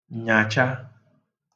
nyàcha